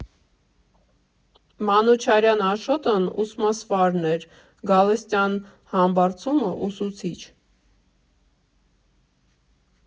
Մանուչարյան Աշոտն ուսմասվարն էր, Գալստյան Համբարձումը՝ ուսուցիչ։